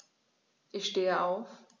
Ich stehe auf.